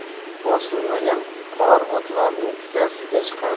bosilmagan qor otlarning tizzasiga chiqadi